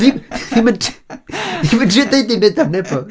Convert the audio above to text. Ddim, ddim yn t- ddim yn trio deud ddim byd am Nebo.